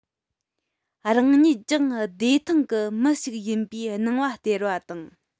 རང ཉིད ཀྱང བདེ ཐང གི མི ཞིག ཡིན པའི སྣང བ སྟེར བ དང